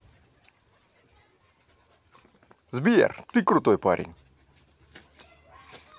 сбер ты крутой парень